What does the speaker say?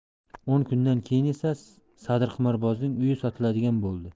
o'n kundan keyin esa sadirqimorbozning uyi sotiladigan bo'ldi